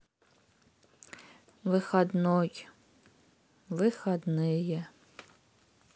выходной выходные